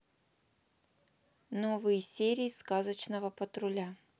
новые серии сказочного патруля